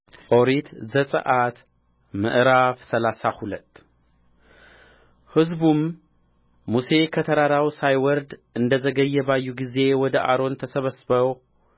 ኦሪት ዘጽአት ምዕራፍ ሰላሳ ሁለት ሕዝቡም ሙሴ ከተራራው ሳይወርድ እንደ ዘገየ ባዩ ጊዜ ወደ አሮን ተሰብስበው